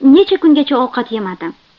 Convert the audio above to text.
necha kungacha ovqat yemadim